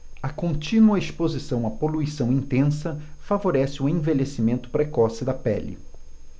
a contínua exposição à poluição intensa favorece o envelhecimento precoce da pele